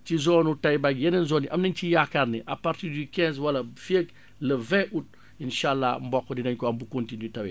ci zone nu Taïba ak yeneen zone yi am nañ ci yaakaar ne à partir du quinze wala fii ak le vingt août insaa àllaa mboq dinañ ko am bu kontinee taw